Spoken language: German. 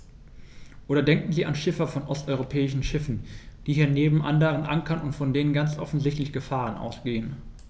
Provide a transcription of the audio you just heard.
Oder denken Sie an Schiffer von osteuropäischen Schiffen, die hier neben anderen ankern und von denen ganz offensichtlich Gefahren ausgehen.